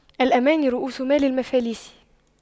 الأماني رءوس مال المفاليس